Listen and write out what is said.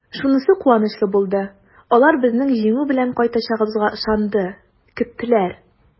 Шунысы куанычлы булды: алар безнең җиңү белән кайтачагыбызга ышанды, көттеләр!